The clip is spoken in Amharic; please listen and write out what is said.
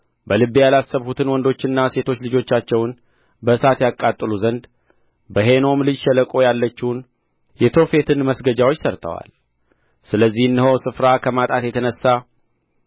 በልቤ ያላሰብሁትን ወንዶችና ሴቶች ልጆቻቸውን በእሳት ያቃጥሉ ዘንድ በሄኖም ልጅ ሸለቆ ያለችውን የቶፌትን መስገጃዎች ሠረተዋል ስለዚህ እነሆ ስፍራ ከማጣት የተነሣ